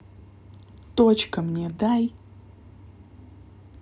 точка мне дай